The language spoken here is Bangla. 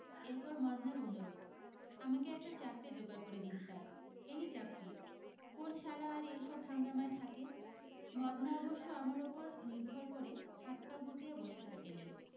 এরপর মদনার অনুরোধ আমাকে একটা চাকরী জোগাড় করে দিন স্যার এনি চাকরী কোন শালা আর এই সব হাঙ্গামায় থাকে মদনা অবশ্য আমার উপর নির্ভর করে হাত পা গুটিয়ে বসে থাকেনি